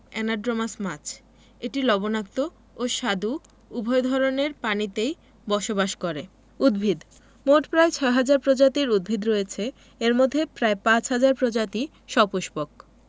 anadromous মাছ এটি লবণাক্ত ও স্বাদু উভয় ধরনের পানিতেই বসবাস করে উদ্ভিদঃ মোট প্রায় ৬ হাজার প্রজাতির উদ্ভিদ রয়েছে এর মধ্যে প্রায় ৫ হাজার প্রজাতি সপুষ্পক